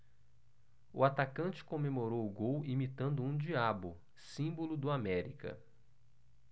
o atacante comemorou o gol imitando um diabo símbolo do américa